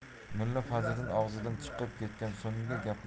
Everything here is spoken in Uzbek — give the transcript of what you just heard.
mulla fazliddin og'zidan chiqib ketgan so'nggi